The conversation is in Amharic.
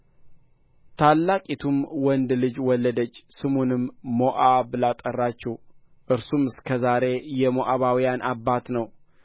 ታላቂቱም ወንድ ልጅ ወለደች ስሙንም ሞዓብ ብላ ጠራችው እርሱም እስከ ዛሬ የሞዓባውያን አባት ነው